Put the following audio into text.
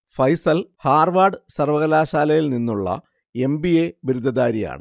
Faisal Harvard സർവകലാശാലയിൽ നിന്നുള്ള M. B. A. ബിരുദധാരിയാണ്